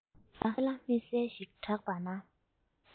སྒྲ གསལ ལ མི གསལ ཞིག གྲགས པ ན